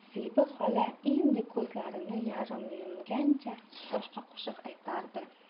zebi xola endi ko'zlarini yarim yumgancha boshqa qo'shiq aytardi